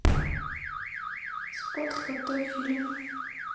спортлото фильм